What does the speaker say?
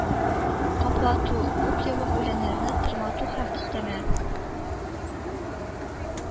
Каплату, күпьеллык үләннәрне тырмату һәм өстәмә